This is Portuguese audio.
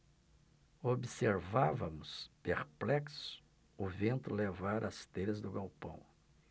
observávamos perplexos o vento levar as telhas do galpão